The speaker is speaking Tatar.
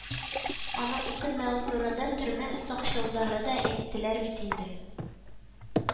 Аның үкенмәве турында төрмә сакчылдары да әйттеләр бит инде